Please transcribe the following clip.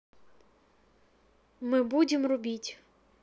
мы будем рубить